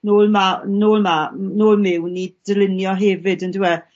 nôl 'ma nôl 'ma n- nôl miwn i dylunio hefyd on'd yw e?